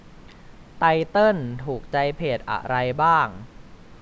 ไตเติ้ลถูกใจเพจอะไรบ้าง